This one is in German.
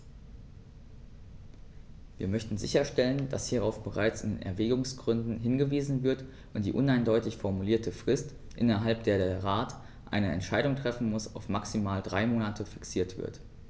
Wir möchten sicherstellen, dass hierauf bereits in den Erwägungsgründen hingewiesen wird und die uneindeutig formulierte Frist, innerhalb der der Rat eine Entscheidung treffen muss, auf maximal drei Monate fixiert wird.